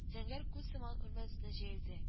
Зәңгәр күл сыман, урмән өстенә җәелде